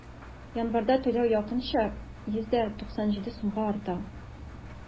Январьдан түләү якынча 197 сумга арта.